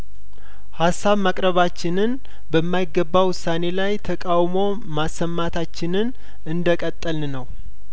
ሀሳብ ማቅረባችንን በማይገባ ውሳኔ ላይ ተቃውሞ ማሰማታችንን እንደቀጠልን ነው